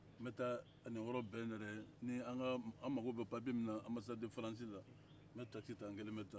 ne bɛ taa nin yɔrɔ bɛɛ la n yɛrɛ ye ni an mako bɛ papiye min na anbasadi faransi la n bɛ takisi ta n kelen bɛ taa